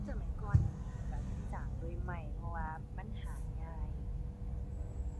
สมัยก่อนนี้ก็สิสร้างโดยไม้ เพราะว่ามันหาง่าย